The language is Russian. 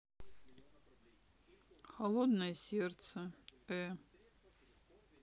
холодное сердце э